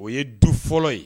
O ye du fɔlɔ ye